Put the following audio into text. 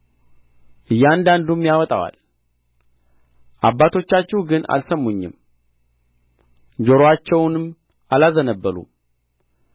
እያንዳንዱም ያወጣዋል አባቶቻችሁ ግን አልሰሙኝም ጆሮአቸውንም አላዘነበሉም